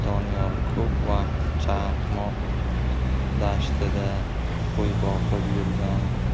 doniyor ko'p vaqt chaqmoq dashtida qo'y boqib yurgan